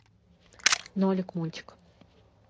нолик мультик